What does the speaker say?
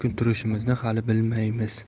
kun turishimizni hali bilmaymiz